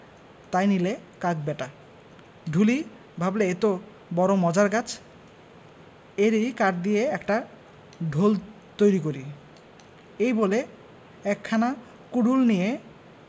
তাই নিলে কাক ব্যাটা ঢুলি ভাবলে এ তো বড়ো মজার গাছ এরই কাঠ দিয়ে একটা ঢোল তৈরি করি এই বলে একখানা কুডুল নিয়ে